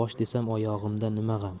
oyog'imda nima g'am